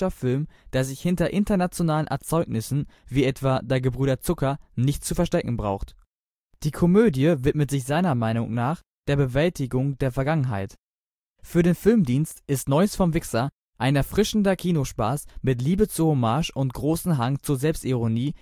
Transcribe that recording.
Film, der sich hinter internationalen Erzeugnissen – wie etwa der Gebrüder Zucker – nicht zu verstecken braucht. “Die Komödie widmet sich seiner Meinung nach „ der Bewältigung der Vergangenheit “. Für den Filmdienst ist Neues vom Wixxer „ Ein erfrischender Kinospaß, mit Liebe zur Hommage und großem Hang zur Selbstironie